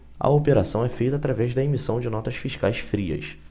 a operação é feita através da emissão de notas fiscais frias